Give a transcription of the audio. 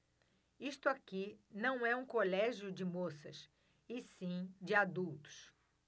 isto aqui não é um colégio de moças e sim de adultos